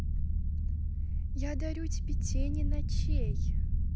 я дарю тебе тени ночей